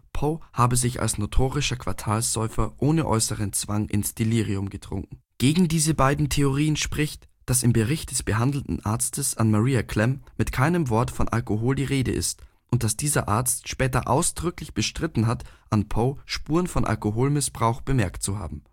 Poe, notorischer Quartalssäufer, könnte sich ohne äußeren Zwang ins Delirium getrunken haben. Gegen beide Theorien spricht, dass im Bericht des behandelnden Arztes an Maria Clemm mit keinem Wort von Alkohol die Rede ist und dass dieser Arzt später ausdrücklich bestritten hat, an Poe Spuren von Alkoholmissbrauch bemerkt zu haben